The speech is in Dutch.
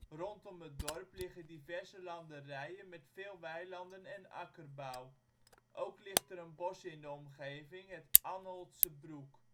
Rondom het dorp liggen diverse landerijen met veel weilanden en akkerbouw. Ook ligt er een bos in de omgeving, het Anholtse Broek